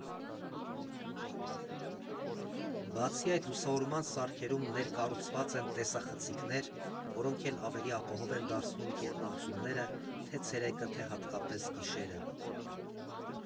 Բացի այդ, լուսավորման սարքերում ներկառուցված են տեսախցիկներ, որոնք է՛լ ավելի ապահով են դարձնում գետնանցումները թե՛ ցերեկը, թե՛ հատկապես գիշերը։